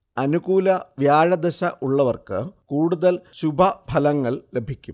അനുകൂല വ്യാഴദശ ഉള്ളവർക്ക് കൂടുതൽ ശുഭഫലങ്ങൾ ലഭിക്കും